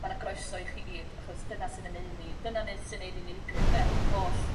Ma' 'na groeso i chi gyd achos dyna sydd yn neu' ni dyna neu' sy neu' ni'n unigryw 'de yr holl...